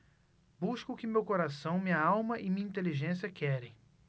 busco o que meu coração minha alma e minha inteligência querem